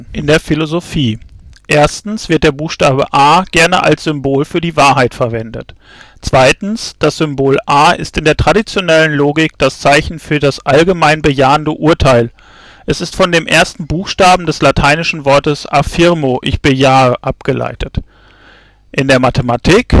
in der Philosophie wird der Buchstabe A gerne als Symbol für die Wahrheit verwendet Das Symbol a ist in der traditionellen Logik das Zeichen für das allgemein bejahende Urteil. Es ist von dem ersten Buchstaben des lateinischen Wortes affirmo (ich bejahe) abgleitet. in der Mathematik